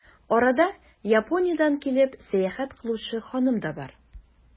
Арада, Япониядән килеп, сәяхәт кылучы ханым да бар.